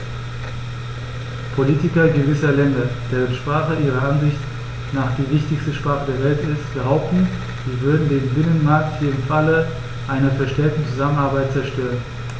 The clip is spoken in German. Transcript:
Politiker gewisser Länder, deren Sprache ihrer Ansicht nach die wichtigste Sprache der Welt ist, behaupten, wir würden den Binnenmarkt hier im Falle einer verstärkten Zusammenarbeit zerstören.